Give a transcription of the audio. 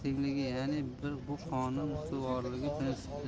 tengligi ya'ni bu qonun ustuvorligi prinsipidir